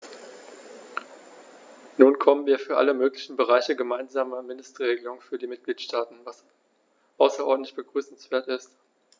Nun bekommen wir für alle möglichen Bereiche gemeinsame Mindestregelungen für die Mitgliedstaaten, was außerordentlich begrüßenswert ist.